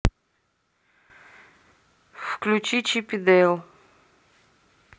включи чип и дэйл